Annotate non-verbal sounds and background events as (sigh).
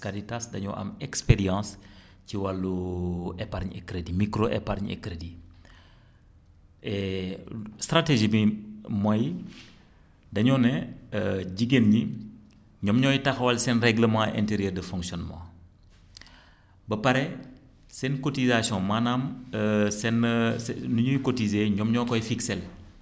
Caritas dañoo am expérience ci wàllu (hesitation) épargne crédit micro épargne (hesitation) stratégie bi mooy dañoo ne (hesitation) jigéen ñi ñoom ñooy taxawal seen réglement intérieur de fonctionnement (smacks lips) ba pare seen cotisation maanaam (hesitation) seen (hesitation) li ñuy cotisé ñoom ñoo koy fikseel